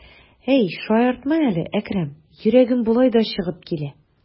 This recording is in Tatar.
Әй, шаяртма әле, Әкрәм, йөрәгем болай да чыгып килә.